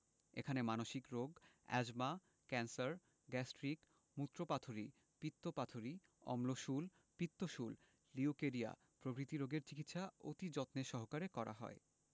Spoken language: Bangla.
এখানে মানসিক রোগ এ্যজমা ক্যান্সার গ্যাস্ট্রিক মুত্রপাথড়ী পিত্তপাথড়ী অম্লশূল পিত্তশূল লিউকেরিয়া প্রভৃতি রোগের চিকিৎসা অতি যত্নের সহিত করা হয়